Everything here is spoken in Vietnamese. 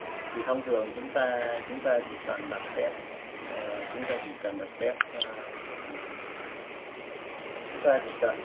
thông thường chúng ta chỉ việc ngậm béc như thế này